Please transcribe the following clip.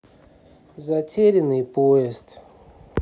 затерянный поезд